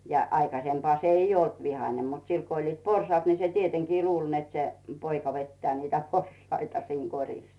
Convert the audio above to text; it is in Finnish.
ja aikaisempaa se ei ollut vihainen mutta sillä kun oli porsaat niin se tietenkin luuli että se poika vetää niitä porsaita siinä korissa